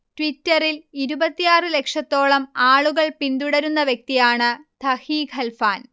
ട്വിറ്ററിൽ ഇരുപത്തിയാറ് ലക്ഷത്തോളം ആളുകൾ പിന്തുടരുന്ന വ്യക്തിയാണ് ധഹി ഖൽഫാൻ